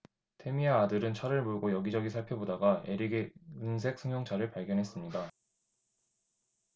태미와 아들은 차를 몰고 여기 저기 살펴보다가 에릭의 은색 승용차를 발견했습니다